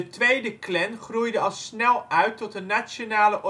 tweede Klan groeide al snel uit tot een nationale